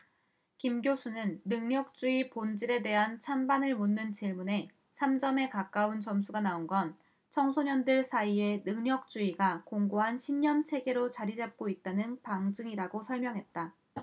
김 교수는 능력주의 본질에 대한 찬반을 묻는 질문에 삼 점에 가까운 점수가 나온 건 청소년들 사이에 능력주의가 공고한 신념체계로 자리잡고 있다는 방증이라고 설명했다